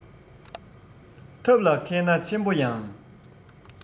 ཐབས ལ མཁས ན ཆེན པོ ཡང